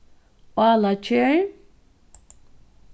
álaker